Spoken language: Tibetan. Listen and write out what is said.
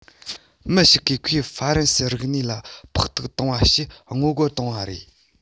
མི ཞིག གིས ཁོས ཧྥ རན སིའི རིག གནས ལ ཕོག ཐུག བཏང བ ཞེས ངོ རྒོལ བཏང བ རེད